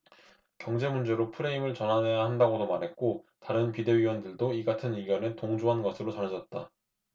경제 문제로 프레임을 전환해야 한다고도 말했고 다른 비대위원들도 이 같은 의견에 동조한 것으로 전해졌다